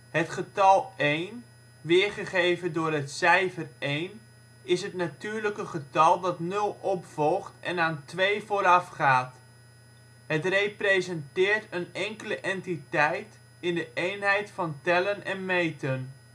Het getal één, weergegeven door het enkele cijfer 1, is het natuurlijke getal dat nul opvolgt en aan twee voorafgaat. Het representeert een enkele entiteit in de eenheid van tellen en meten